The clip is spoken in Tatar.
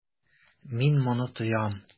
Мин моны тоям.